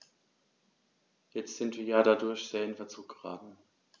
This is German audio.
Jetzt sind wir dadurch sehr in Verzug geraten.